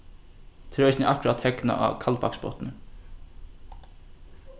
tað er eisini akkurát hegnað á kaldbaksbotni